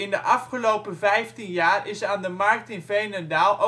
de afgelopen vijftien jaar is aan de Markt in Veenendaal